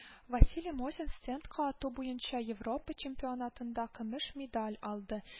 Василий Мосин стендка ату буенча Европа чемпионатында көмеш медаль алды